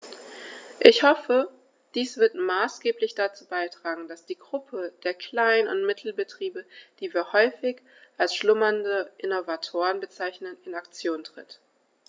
Ich hoffe, dies wird maßgeblich dazu beitragen, dass die Gruppe der Klein- und Mittelbetriebe, die wir häufig als "schlummernde Innovatoren" bezeichnen, in Aktion tritt.